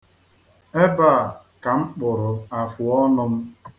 Ebe a ka m kpụrụ afụọnụ m.